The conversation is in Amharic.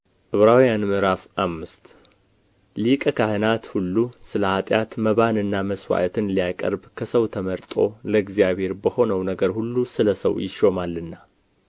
ዕብራውያን ምዕራፍ አምስት ሊቀ ካህናት ሁሉ ስለ ኃጢአት መባንና መስዋዕትን ሊያቀርብ ከሰው ተመርጦ ለእግዚአብሔር በሆነው ነገር ሁሉ ስለ ሰው ይሾማልና